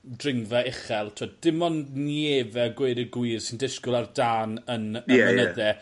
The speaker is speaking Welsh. dringfa uchel t'wod dim ond Nieve gweud y gwir sy'n disgwyl ar dan yn y mynydde.